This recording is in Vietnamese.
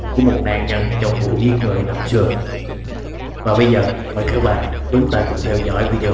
của một nạn nhân trong vụ giết người năm xưa và bây giờ mời các bạn chúng ta cùng theo dõi video này nhé